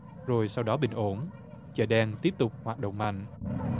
rồi sau đó bình ổn chợ đen tiếp tục hoạt động mạnh